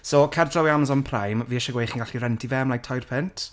so, cer draw i Amazon Prime, fi isie gweud chi'n gallu rentu fe am like tair punt?